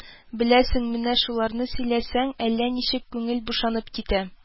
Беләсең, менә шуларны сөйләсәң, әллә ничек күңел бушанып китә